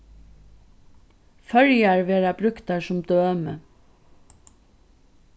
føroyar verða brúktar sum dømi